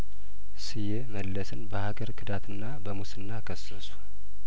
ስዬ መለስን በሀገር ክዳትና በሙስና ከሰሱ